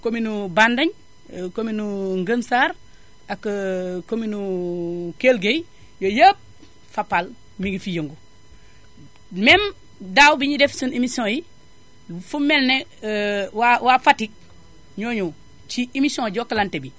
commune Bading commune Ngueune Sarr ak commune Kell Gueye yooyu yépp Fapal mi ngi fiy yëngu même daaw bi ñuy def seen émissio yi fu mel ne waa waa Fatick ñoo ñëw ci émission Jokalante bi